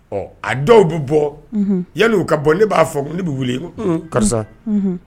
Ɔ a dɔw bɛ bɔ yanli ka bɔ ne b'a fɔ ne bɛ wele karisa